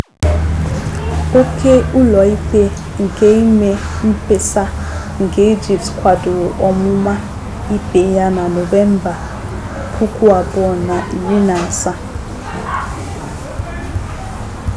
Óké Ụlọikpe nke Ime Mkpesa nke Egypt kwadoro ọmụma ikpe ya na Nọvemba 2017.